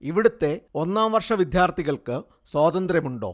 ഇവിടുത്തെ ഒന്നാം വർഷ വിദ്യാർത്ഥികൾക്ക് സ്വാതന്ത്ര്യമുണ്ടോ